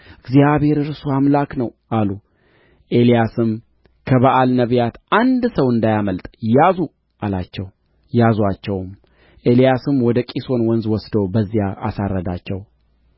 እግዚአብሔር እርሱ አምላክ ነው አሉ ኤልያስም ከበኣል ነቢያት አንድ ሰው እንዳያመልጥ ያዙ አላቸው ያዙአቸውም ኤልያስም ወደ ቂሶን ወንዝ ወስዶ በዚያ አሳረዳቸው